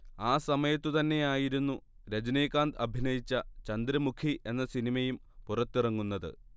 ആ സമയത്തു തന്നെയായിരുന്നു രജനീകാന്ത് അഭിനയിച്ച ചന്ദ്രമുഖി എന്ന സിനിമയും പുറത്തിറങ്ങുന്നത്